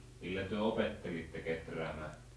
millä te opettelitte kehräämään